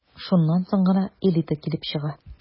Шуннан соң гына «элита» килеп чыга...